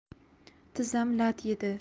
tizzam lat yedi